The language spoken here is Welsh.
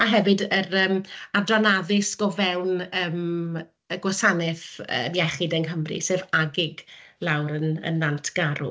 a hefyd yr yym adran addysg o fewn yym y gwasanaeth yy iechyd yng Nghymru sef AGIG lawr yn yn Nantgarw.